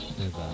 c' est ca